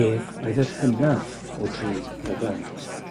Ef oedd yr hynaf o dri o blant.